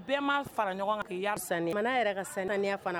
Bɛɛ' fara ɲɔgɔn kan ka yariani mana yɛrɛ ka san naanianiya fana